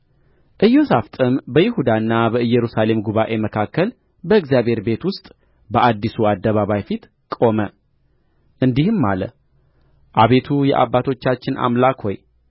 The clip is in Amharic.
ኢዮሣፍጥም በይሁዳና በኢየሩሳሌም ጉባኤ መካከል በእግዚአብሔር ቤት ውስጥ በአዲሱ አደባባይ ፊት ቆመ እንዲህም አለ አቤቱ የአባቶቻችን አምላክ ሆይ